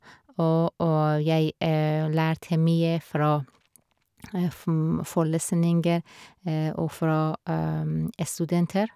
og Og jeg lærte mye fra fm forelesninger og fra studenter.